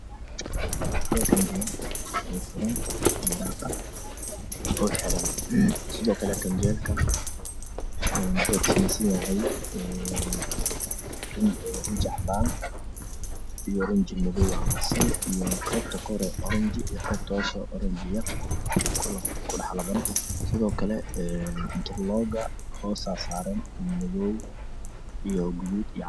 Hal ganjeel oo furan iyo daaqad oo xiran sidoo kale ganjeelka waxa uu ka sameeysanyahay riinjin cadaan iyo riinji madow ah oo marsan iyo qaybta kore oo oranji iyo qaybta hoose oo oranji ah kolomka ku dhex laban sidoo kale sidoo kale dalooga hoosaa saaran madow iyo gaduud cadaan